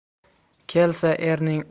kelsa erning urug'i